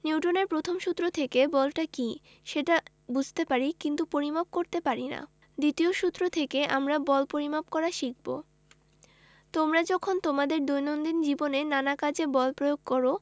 নিউটনের প্রথম সূত্র থেকে বলটা কী সেটা বুঝতে পারি কিন্তু পরিমাপ করতে পারি না দ্বিতীয় সূত্র থেকে আমরা বল পরিমাপ করা শিখব তোমরা যখন তোমাদের দৈনন্দিন জীবনে নানা কাজে বল ব্যবহার করো